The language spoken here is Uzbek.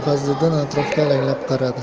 mulla fazliddin atrofga alanglab qaradi